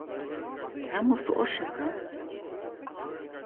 tað mást tú orsaka